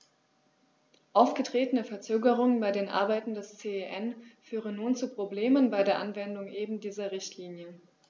Aufgetretene Verzögerungen bei den Arbeiten des CEN führen nun zu Problemen bei der Anwendung eben dieser Richtlinie.